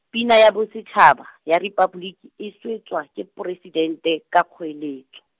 pina ya bosetšhaba, ya Rephaboliki, e swetsa ke Poresidente ka kgoeletso.